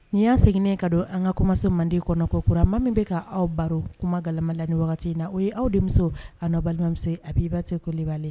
Nin y'a seginnen ka don an ka kɔmaso manden kɔnɔ ko kurarama min bɛ ka aw baro kuma galamala ni wagati in na o ye aw de a' balimakisɛ se a b'i ba se koli